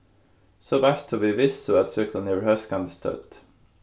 so veitst tú við vissu at súkklan hevur hóskandi stødd